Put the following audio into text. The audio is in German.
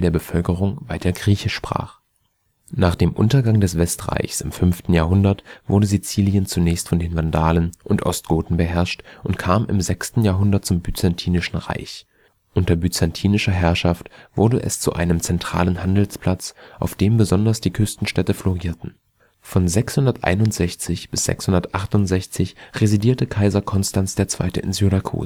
Bevölkerung weiter griechisch sprach. Nach dem Untergang des Westreichs im 5. Jahrhundert wurde Sizilien zunächst von den Vandalen und Ostgoten beherrscht und kam im 6. Jahrhundert zum Byzantinischen Reich. Unter der byzantinischen Herrschaft wurde es zu einem zentralen Handelsplatz, auf dem besonders die Küstenstädte florierten. Von 661 bis 668 residierte Kaiser Konstans II. in Syrakus. Im